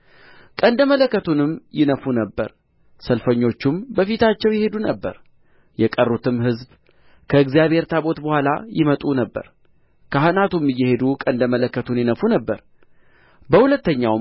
ቀንደ መለከቱንም ይነፉ ነበር ሰልፈኞቹም በፊታቸው ይሄዱ ነበር የቀሩትም ሕዝብ ከእግዚአብሔር ታቦት በኋላ ይመጡ ነበር ካህናቱም እየሄዱ ቀንደ መለከቱን ይነፉ ነበር በሁለተኛውም